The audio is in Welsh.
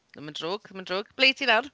Ddim yn drwg ddim yn drwg. Ble 'y ti nawr?